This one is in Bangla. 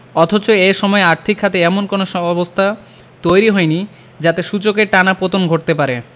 অথচ এ সময়ে আর্থিক খাতে এমন কোনো অবস্থা তৈরি হয়নি যাতে সূচকের টানা পতন ঘটতে পারে